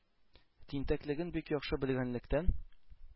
Тинтәклеген бик яхшы белгәнлектән,